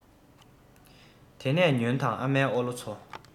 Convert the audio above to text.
དེ ནས ཉོན དང ཨ མའི ཨོ ལོ ཚོ